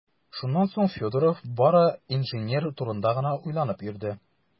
Шуннан соң Федоров бары инженер турында гына уйланып йөрде.